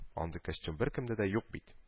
Андый костюм беркемдә дә юк бит